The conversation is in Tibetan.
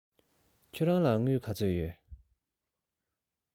ཁྱེད རང ལ དངུལ ག ཚོད ཡོད